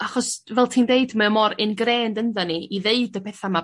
achos fel ti'n deud mae o mor ingrained ynddan ni i ddeud y petha 'ma